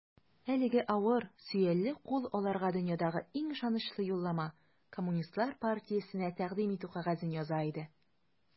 Әлеге авыр, сөялле кул аларга дөньядагы иң ышанычлы юллама - Коммунистлар партиясенә тәкъдим итү кәгазен яза иде.